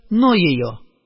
Ну её